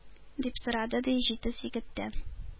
Дип сорады, ди, җитез егеттән.